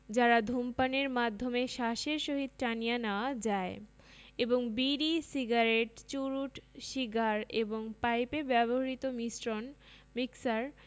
যারা ধূমপানের মাধ্যমে শ্বাসের সহিত টানিয়া নেওয়া যায় এবং বিড়ি সিগারেট চুরুট সিগার এবং পাইপে ব্যবহার্য মিশ্রণ মিক্সার